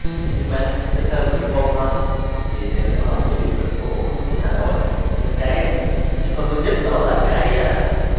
liên quan sơ sơ về chuyên môn thôi thì nó là một cái biểu tượng của của hà nội một cái mình em phân vân nhất đó là cái